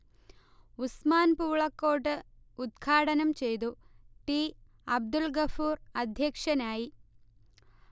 ഉസ്മാൻ പൂളക്കോട്ട് ഉദ്ഘാടനം ചെയ്തു, ടി അബ്ദുൾ ഗഫൂർ അധ്യക്ഷനായി